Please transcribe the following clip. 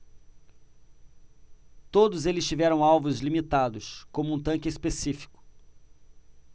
todos eles tiveram alvos limitados como um tanque específico